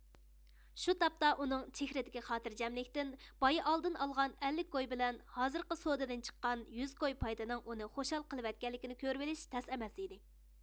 شۇ تاپتا ئۇنىڭ چېھرىدىكى خاتىرجەملىكتىن بايا ئالدىن ئالغان ئەللىك كوي بىلەن ھازىرقى سودىدىن چىققان يۈز كوي پايدىنىڭ ئۇنى خۇشال قىلىۋەتكەنلىكىنى كۆرۈۋېلىش تەس ئەمەس ئىدى